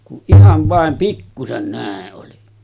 kun ihan vain pikkuisen näin oli